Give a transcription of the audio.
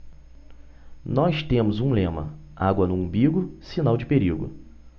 nós temos um lema água no umbigo sinal de perigo